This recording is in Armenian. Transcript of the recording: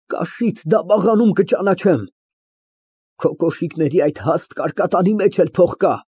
Կաշիդ դաբախանում կճանաչեմ։ Քո կոշիկների այդ հաստ կարկատանի մեջ էլ փող կա։